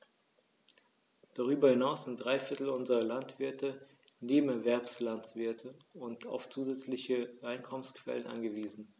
Darüber hinaus sind drei Viertel unserer Landwirte Nebenerwerbslandwirte und auf zusätzliche Einkommensquellen angewiesen.